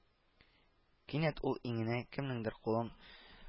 Кинәт ул иңенә кемнеңдер кулын